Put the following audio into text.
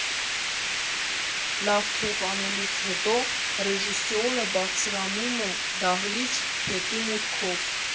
Լավ քեֆ անելուց հետո ռեժիսորը բարձրանում է դահլիճ՝ հետևի մուտքով։